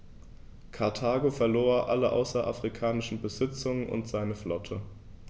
Karthago verlor alle außerafrikanischen Besitzungen und seine Flotte.